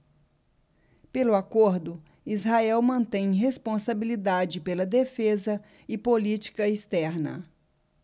pelo acordo israel mantém responsabilidade pela defesa e política externa